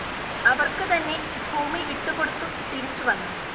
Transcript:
അവർക്കു തന്നെ ഭൂമി വിട്ടുകൊടുത്തു തിരിച്ചു വന്നു